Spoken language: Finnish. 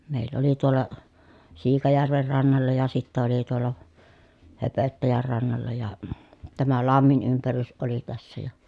meillä oli tuolla Siikajärven rannalla ja sitten oli tuolla Höpöttäjän rannalla ja tämä lammen ympärys oli tässä ja